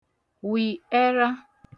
wị ẹra